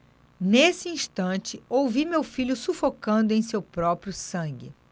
nesse instante ouvi meu filho sufocando em seu próprio sangue